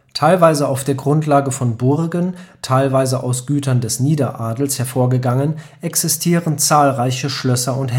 Teilweise auf der Grundlage von Burgen, teilweise aus Gütern des Niederadels hervorgegangen, existierten zahlreiche Schlösser und